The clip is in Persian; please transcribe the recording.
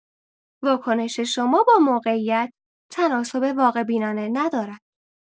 واکنش شما با موقعیت تناسب واقع‌بینانه ندارد.